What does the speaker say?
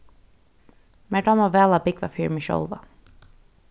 mær dámar væl at búgva fyri meg sjálva